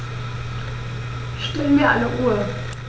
Stell mir eine Uhr.